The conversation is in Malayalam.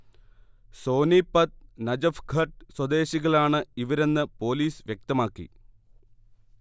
സോനിപത്ത്, നജഫ്ഘട്ട് സ്വദേശികളാണ് ഇവരെന്ന് പോലീസ് വ്യക്തമാക്കി